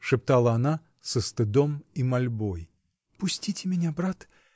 — шептала она со стыдом и мольбой. — Пустите меня, брат.